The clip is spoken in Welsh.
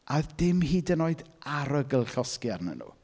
A oedd dim hyd yn oed arogl llosgi arnyn nhw.